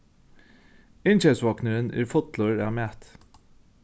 innkeypsvognurin er fullur av mati